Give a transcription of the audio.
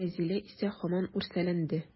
Рәзилә исә һаман үрсәләнде.